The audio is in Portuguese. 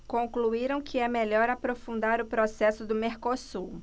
concluíram que é melhor aprofundar o processo do mercosul